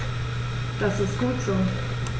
Das ist gut so.